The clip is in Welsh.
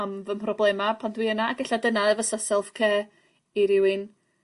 am fy mhroblema pan dwi yna sg ella dyna y fysa self care i rywun